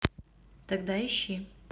тогда ищи